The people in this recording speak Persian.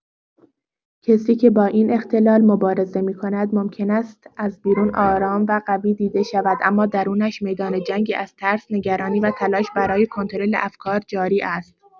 کسی که با این اختلال مبارزه می‌کند ممکن است از بیرون آرام و قوی دیده شود، اما درونش میدان جنگی از ترس، نگرانی و تلاش برای کنترل افکار جاری است.